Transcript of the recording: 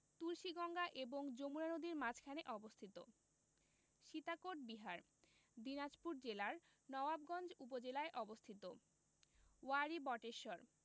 তুলসীগঙ্গা এবং যমুনা নদীর মাঝখানে অবস্থিত সীতাকোট বিহার দিনাজপুর জেলার নওয়াবগঞ্জ উপজেলায় অবস্থিত ওয়ারী বটেশ্বর